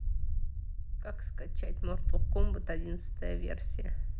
как скачать мортал комбат одиннадцатая версия